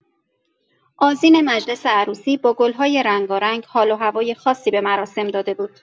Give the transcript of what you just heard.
آذین مجلس عروسی با گل‌های رنگارنگ، حال و هوای خاصی به مراسم داده بود.